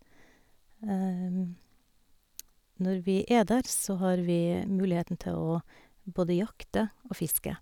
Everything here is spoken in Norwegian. Når vi er der så har vi muligheten til å både jakte og fiske.